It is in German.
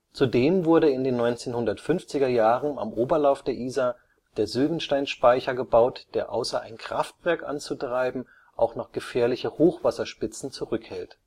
Zudem wurde in den 1950er Jahren am Oberlauf der Isar der Sylvensteinspeicher gebaut, der außer ein Kraftwerk anzutreiben auch noch gefährliche Hochwasserspitzen zurückhält